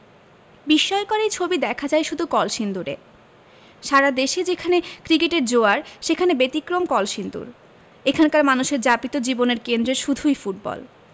বিস্ময়কর এই ছবি দেখা যায় শুধু কলসিন্দুরে সারা দেশে যেখানে ক্রিকেটের জোয়ার সেখানে ব্যতিক্রম কলসিন্দুর এখানকার মানুষের যাপিত জীবনের কেন্দ্রে শুধুই ফুটবল